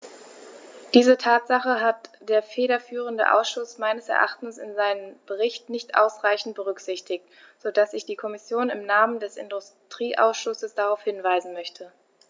Diese Tatsache hat der federführende Ausschuss meines Erachtens in seinem Bericht nicht ausreichend berücksichtigt, so dass ich die Kommission im Namen des Industrieausschusses darauf hinweisen möchte.